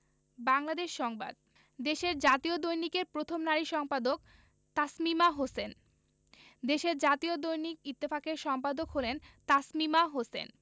বাংলাদেশ সংবাদ দেশের জাতীয় দৈনিকের প্রথম নারী সম্পাদক তাসমিমা হোসেন দেশের জাতীয় দৈনিক ইত্তেফাকের সম্পাদক হলেন তাসমিমা হোসেন